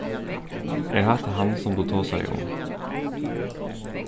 er hatta hann sum tú tosaði um